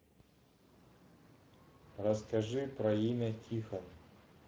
расскажи про имя тихон